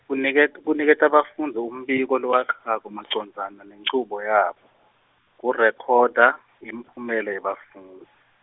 kuniket- kuniketa bafundzi umbiko lowakhako macondzana nenchubo yabo, Kurekhoda imiphumela yebafundzi.